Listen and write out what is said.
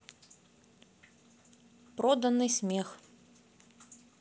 проданный смех